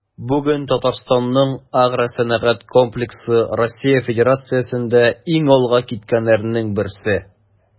Бүген Татарстанның агросәнәгать комплексы Россия Федерациясендә иң алга киткәннәрнең берсе.